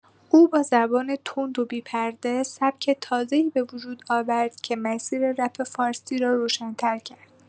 او با زبان تند و بی‌پرده، سبک تازه‌ای به وجود آورد که مسیر رپ فارسی را روشن‌تر کرد.